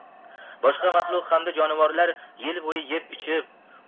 boshqa mahluq hamda jonivorlar yil bo'yi yeb ichib